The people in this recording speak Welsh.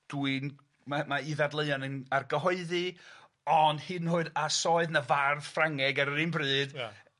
Dwi'n ma' ma' 'i ddadleuon yn argyhoeddi ond hyd yn oed a os oedd 'na fardd Ffrangeg ar yr un bryd... Ia.